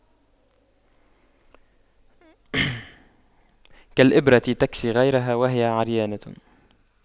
كالإبرة تكسي غيرها وهي عريانة